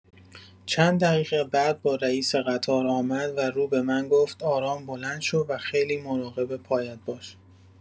چند دقیقه بعد با رئیس قطار آمد و رو به من گفت آرام بلند شو و خیلی مراقب پایت باش.